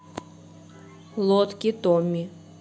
лодки томми